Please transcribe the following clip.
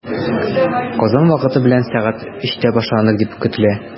Казан вакыты белән сәгать өчтә башланыр дип көтелә.